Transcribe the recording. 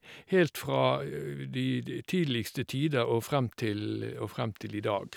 Helt fra de de tidligste tider og frem til og frem til i dag.